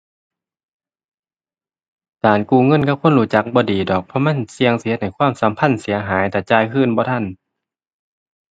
การกู้เงินกับคนรู้จักบ่ดีดอก เพราะมันเสี่ยงสิเฮ็ดให้ความสัมพันธ์เสียหายถ้าจ่ายคืนบ่ทัน